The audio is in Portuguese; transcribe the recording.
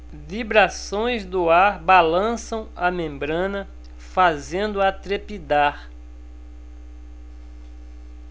vibrações do ar balançam a membrana fazendo-a trepidar